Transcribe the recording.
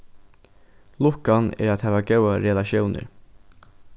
lukkan er at hava góðar relatiónir